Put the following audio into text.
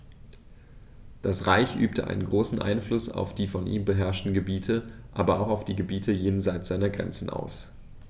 Das Reich übte einen großen Einfluss auf die von ihm beherrschten Gebiete, aber auch auf die Gebiete jenseits seiner Grenzen aus.